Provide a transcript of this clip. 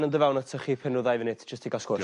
...yn do' fewn atoch chi pen rw ddau funut jyst i ga'l sgwrs.